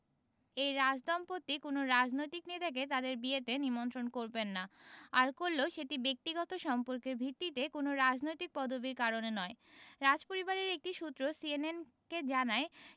এই রাজদম্পতি কোনো রাজনৈতিক নেতাকে তাঁদের বিয়েতে নিমন্ত্রণ করবেন না আর করলেও সেটি ব্যক্তিগত সম্পর্কের ভিত্তিতে কোনো রাজনৈতিক পদবির কারণে নয় রাজপরিবারের একটি সূত্র সিএনএনকে জানায়